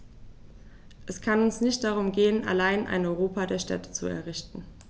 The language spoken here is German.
Es kann uns nicht darum gehen, allein ein Europa der Städte zu errichten.